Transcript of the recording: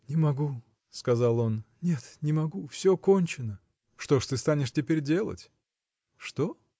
– Не могу, – сказал он, – нет, не могу: все кончено. – Что ж ты станешь теперь делать? – Что?